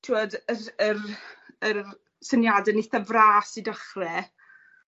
t'wod yr yr yr syniade'n itha fras i dechre.